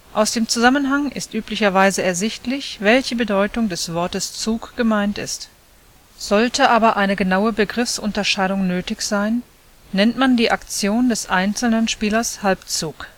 Aus dem Zusammenhang ist üblicherweise ersichtlich, welche Bedeutung des Wortes Zug gemeint ist; sollte aber eine genaue Begriffsunterscheidung nötig sein, nennt man die Aktion des einzelnen Spielers Halbzug